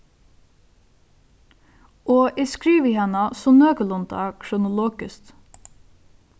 og eg skrivi hana so nøkulunda kronologiskt